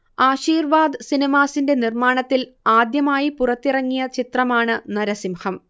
ആശീർവാദ് സിനിമാസിന്റെ നിർമ്മാണത്തിൽ ആദ്യമായി പുറത്തിറങ്ങിയ ചിത്രമാണ് നരസിംഹം